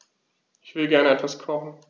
Ich will gerne etwas kochen.